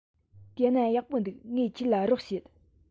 དེ ན ཡག པོ འདུག ངས ཁྱོད ལ རོགས བྱེད